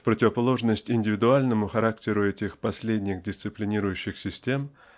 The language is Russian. в противоположность индивидуальному характеру этих последних дисциплинирующих систем